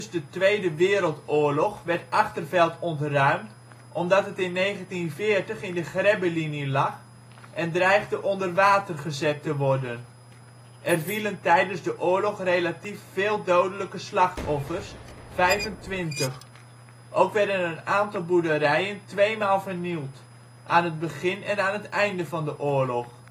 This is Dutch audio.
de Tweede Wereldoorlog werd Achterveld ontruimd omdat het in 1940 in de Grebbelinie lag en dreigde onder water gezet te worden. Er vielen tijdens de oorlog relatief veel dodelijke slachtoffers: 25. Ook werden een aantal boerderijen tweemaal vernield: aan het begin en aan het einde van de oorlog